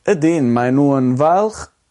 ydyn mae n'w yn falch